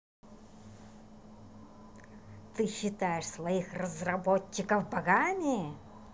ты считаешь своих разработчиков багами